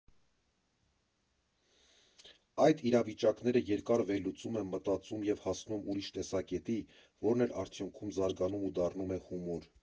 Այդ իրավիճակները երկար վերլուծում եմ, մտածում և հասնում ուրիշ տեսակետի, որն էլ արդյունքում զարգանում ու դառնում է հումոր։